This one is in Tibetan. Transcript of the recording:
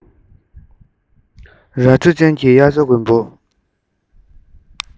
རྭ ཅོ ཅན གྱི དབྱར རྩྭ དགུན འབུ